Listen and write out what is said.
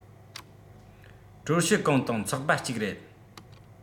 ཀྲོར ཤུའུ ཀང དང ཚོགས པ གཅིག རེད